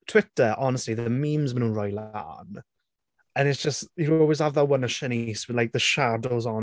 Twitter, honestly, the memes ma' nhw'n rhoi lan. And it's just you'll always have that one of Siânnise, with like, the shadows on...